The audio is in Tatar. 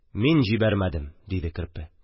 Мин җибәрмәдем, – диде Керпе.